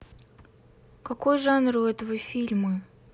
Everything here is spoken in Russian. какой жанр этого фильма